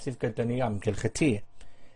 sydd gyda ni o amgylch y tŷ.